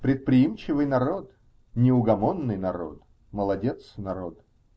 Предприимчивый народ, неугомонный народ, молодец народ.